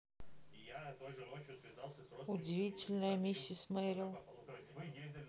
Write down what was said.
удивительная миссис мерил